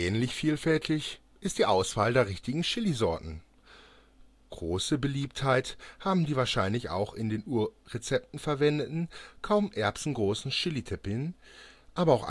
Ähnlich vielfältig ist die Auswahl der richtigen Chilisorte (n). Große Beliebtheit haben die wahrscheinlich auch in den Urrezepten verwendeten, kaum erbsengroßen Chiltepin, aber